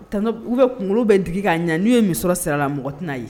T u bɛ kunkolo bɛ d ka'a ɲɛ n'u ye min sarala mɔgɔ tɛna'a ye